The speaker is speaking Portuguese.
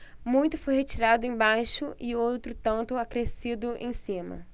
muito foi retirado embaixo e outro tanto acrescido em cima